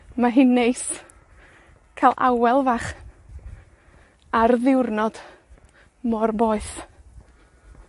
Ma' hi'n neis, ca'l awel fach, ar ddiwrnod, mor boeth.